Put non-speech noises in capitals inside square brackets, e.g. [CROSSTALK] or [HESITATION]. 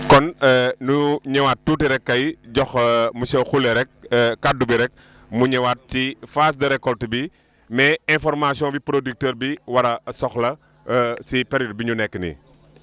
kon [HESITATION] nu ñëwaat tuuti rek kay jox [HESITATION] monsieur rek [HESITATION] kaddu bi rek mu ñëwaat ci phase de récolte bi mais information bi producteur bi war a soxla [HESITATION] si période bi ñu nekk nii